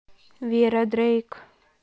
вера дрейк